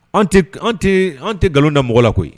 Tɛ an tɛ an tɛ nkalonda mɔgɔ la koyi